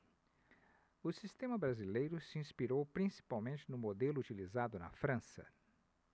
o sistema brasileiro se inspirou principalmente no modelo utilizado na frança